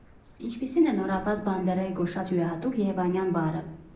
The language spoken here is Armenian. Ինչպիսի՞ն է նորաբաց «ԲանդերԷգո» շատ յուրահատուկ երևանյան բարը։